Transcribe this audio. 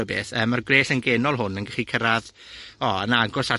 o beth, yy ma'r gwres yn genol hwn yn gallu cyrradd o yn agos at